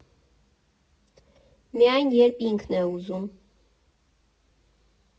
Միայն երբ ինքն է ուզում։